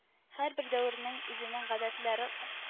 Һәрбер дәвернең үзенең гадәтләре